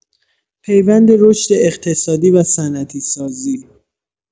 پیوند رشد اقتصادی و صنعتی‌سازی